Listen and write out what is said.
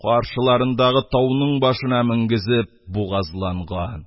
Каршыларындагы тауның башына менгезеп бугазланган!